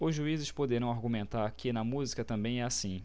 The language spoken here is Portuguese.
os juízes poderão argumentar que na música também é assim